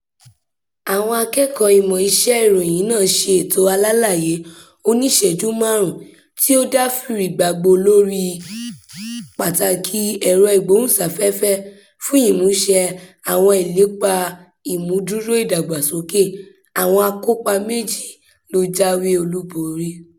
Àwọn akẹ́kọ̀ọ́ ìmọ̀ iṣẹ́ ìròyìn náà ṣe ètò alálàyé oníṣẹ̀ẹ́jú 5 tí ó dá fìrìgbagbòó lóríi pàtàkìi ẹ̀rọ-ìgbóhùnsáfẹ́fẹ́ fún ìmúṣẹ àwọn ìlépa ìmúdúró ìdàgbàsókè. Àwọn àkópa méjì ló jáwé olúborí.